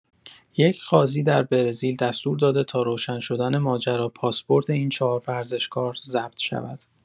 یک قاضی در برزیل دستور داده تا روشن شدن ماجرا، پاسپورت این چهار ورزشکار ضبط شود.